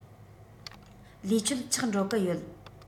ལས ཆོད ཆག འགྲོ གི ཡོད